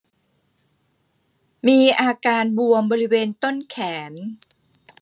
มีอาการบวมบริเวณต้นแขน